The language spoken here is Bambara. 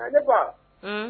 A ne baba